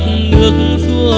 đổ